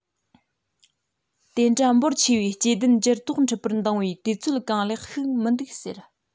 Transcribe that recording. དེ འདྲ འབོར ཆེ བའི སྐྱེ ལྡན འགྱུར ལྡོག འགྲུབ པར འདང བའི དུས ཚོད གང ལེགས ཤིག མི འདུག ཟེར